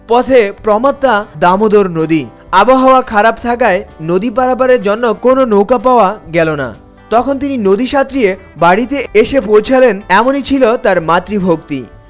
পথে প্রমত্তা দামোদর নদী আবহাওয়া খারাপ থাকার নদী পারাপারের জন্য কোন নৌকা পাওয়া গেল না তখন তিনি নদী সাঁতরিয়ে বাড়িতে এসে পৌঁছালেন এমনই ছিল তার মাতৃভক্তি